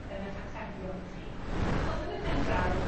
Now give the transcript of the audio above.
yn 'ych atebion chi. achos yn y pen draw,